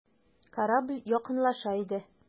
Корабль якынлаша иде.